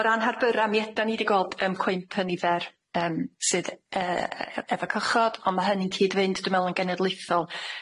O ran harbyra mi ydan ni 'di gweld yym cwymp yn nifer yym sydd yy yy efo cychod on' ma' hynny'n cyd-fynd dwi me'wl yn genedlaethol